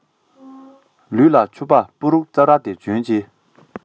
ལུས ལ ཕྱུ པ སྤུ རུབ རྩབ རལ དེ གྱོན བྱས